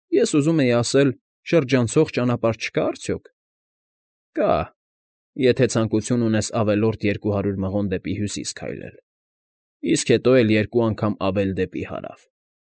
Ես ուզում էի ասել՝ շրջանցող ճանապարհ չկա՞ արդյոք։ ֊ Կա, եթե ցանկություն ունես ավելորդ երկու հարյուր մղոն դեպի Հյուսիս քայլել, իսկ հետո էլ երկու անգամ ավելի՝ դեպի Հարավ։